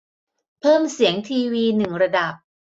เพิ่มเสียงทีวีหนึ่งระดับ